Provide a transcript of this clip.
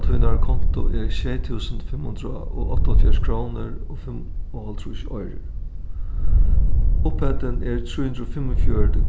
tínari konto er sjey túsund fimm hundrað og áttaoghálvfjerðs krónur og fimmoghálvtrýss oyrur upphæddin er trý hundrað og fimmogfjøruti